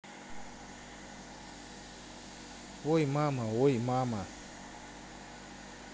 ой мама ой мама